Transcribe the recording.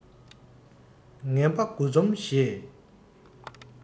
ངན པ དགུ འཛོམས ཞེས